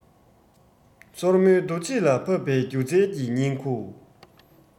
སོར མོའི འདུ བྱེད ལ ཕབ པའི སྒྱུ རྩལ གྱི ཉིང ཁུ